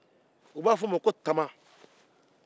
u ba fɔ o ma ko tama